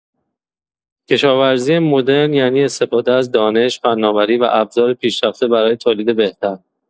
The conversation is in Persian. کشاورزی مدرن یعنی استفاده از دانش، فناوری و ابزار پیشرفته برای تولید بهتر.